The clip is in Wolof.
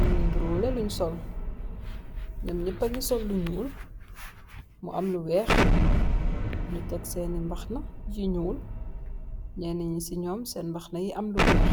ño niroleh lin sol. Ñom ñap pa ngi sol lu ñuul mu am lu wèèx ni tek sééni mbàxna yu ñuul ñenñi ci ñom sèèn mbàxna yi am lu wèèx .